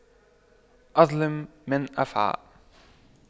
أظلم من أفعى